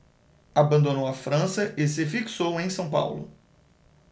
abandonou a frança e se fixou em são paulo